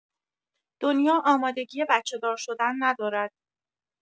دنیا آمادگی بچه‌دار شدن ندارد.